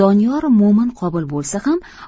doniyor mo'min qobil bo'lsa ham